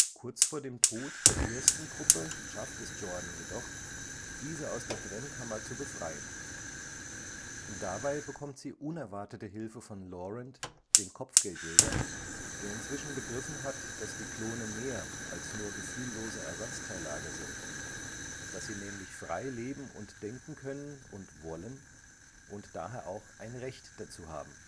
Kurz vor dem Tod der ersten Gruppe schafft es Jordan jedoch, diese aus der Brennkammer zu befreien. Dabei bekommt sie unerwartete Hilfe von Laurent, dem Kopfgeldjäger, der inzwischen begriffen hat, dass die Klone mehr als nur gefühllose Ersatzteillager sind; dass sie nämlich frei leben und denken können und wollen und daher auch ein Recht dazu haben